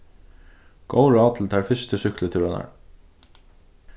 góð ráð til teir fyrstu súkklutúrarnar